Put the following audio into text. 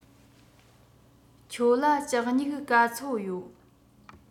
ཁྱོད ལ ལྕགས སྨྱུག ག ཚོད ཡོད